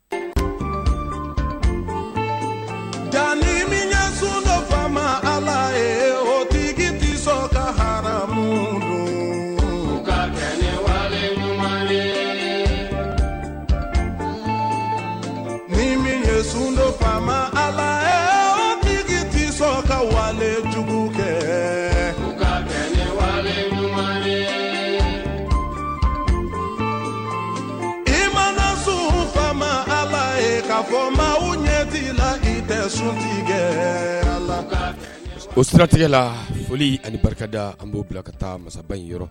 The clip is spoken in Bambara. Nka nimi sundo faama a ye o sɔn ka ha mu ka ɲuman le min min ye sundo faama a tɛ sɔn ka wali tugu kɛ ka wa ɲuman le i ma sun faama a ma ye k ka fɔ ma u ɲɛtigila i tɛ suntigi kɛ a la ka o siratigɛ la foli ani barikada an b'o bila ka taa masa inyɔrɔ